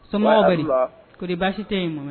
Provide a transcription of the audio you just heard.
Somɔgɔw bedi kodi baasi te ye Momɛ